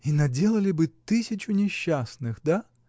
— И наделали бы тысячу несчастных — да?